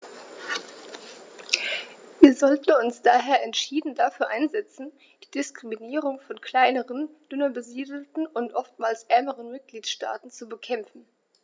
Wir sollten uns daher entschieden dafür einsetzen, die Diskriminierung von kleineren, dünner besiedelten und oftmals ärmeren Mitgliedstaaten zu bekämpfen.